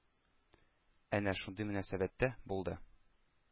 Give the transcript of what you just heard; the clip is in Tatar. Әнә шундый мөнәсәбәттә булды.